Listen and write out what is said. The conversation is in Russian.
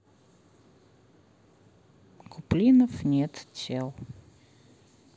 куплинов нет тел